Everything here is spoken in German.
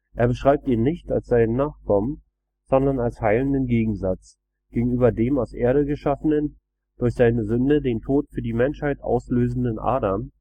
Er beschreibt ihn nicht als seinen Nachkommen, sondern als heilenden Gegensatz: Gegenüber dem aus Erde geschaffenen, durch seine Sünde den Tod für die Menschen auslösenden Adam